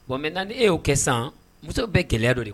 Bon mɛ nan e y'o kɛ san muso bɛ kɛlɛ dɔ de ye